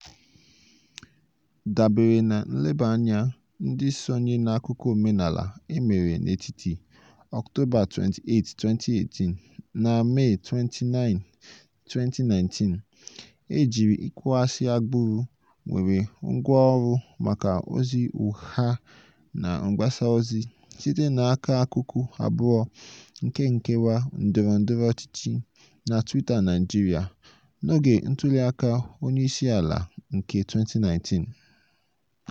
Dabere na nleba anya ndị sonye n'akụkụ omenala e mere n'etiti Ọktoba 28, 2018, na Mee 29, 2019, e jiri ịkpọasị agbụrụ mere ngwaọrụ maka ozi ụgha na mgbasa ozi site n'aka akụkụ abụọ nke nkewa ndọrọ ndọrọ ọchịchị na Twitter Naịjirịa n'oge ntụliaka onyeisiala nke 2019.